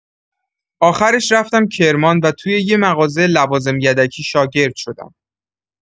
آخرش رفتم کرمان و توی یه مغازۀ لوازم یدکی شاگرد شدم.